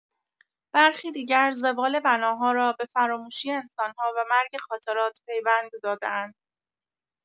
برخی دیگر، زوال بناها را به فراموشی انسان‌ها و مرگ خاطرات پیوند داده‌اند.